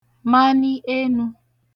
mani enū